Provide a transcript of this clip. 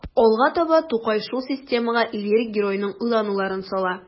Алга таба Тукай шул системага лирик геройның уйлануларын сала.